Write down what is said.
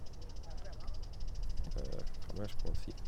Hva mer skal man si?